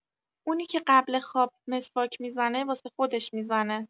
اونی که قبل خواب مسواک می‌زنه واسه خودش می‌زنه